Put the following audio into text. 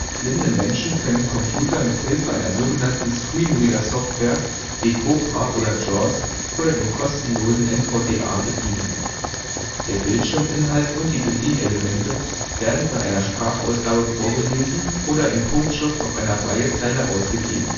Blinde Menschen können Computer mit Hilfe einer sogenannten Screenreader-Software wie COBRA oder JAWS oder dem kostenlosen NVDA bedienen. Der Bildschirminhalt und die Bedienelemente werden von einer Sprachausgabe vorgelesen oder in Punktschrift auf einer Braillezeile ausgegeben